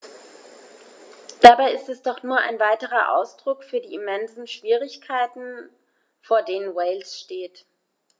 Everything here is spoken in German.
Dabei ist es doch nur ein weiterer Ausdruck für die immensen Schwierigkeiten, vor denen Wales steht.